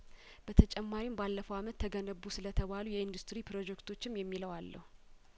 በተጨማሪም ባለፈው አመት ተገነቡ ስለተባሉ የኢንዱስትሪ ፕሮጀክቶችም የሚለው አለው